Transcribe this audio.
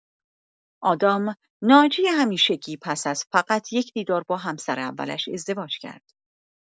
آدام، ناجی همیشگی، پس از فقط یک دیدار با همسر اولش ازدواج کرد.